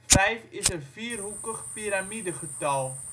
Vijf is een vierhoekig piramidegetal